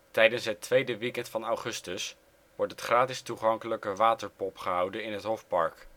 Tijdens het 2e weekend van augustus wordt het gratis toegankelijke Waterpop gehouden in het Hofpark